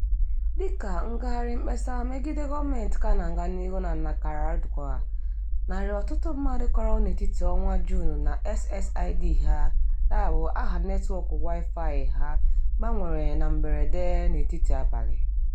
Dịka ngagharị mkpesa megide gọọmentị ka na-aga n'ihu na Nicaragua, narị ọtụtụ mmadụ kọrọ n'etiti ọnwa Juun na SSID ha (aha netwọk Wi-Fi ha) gbanwere na mberede n'etiti abalị.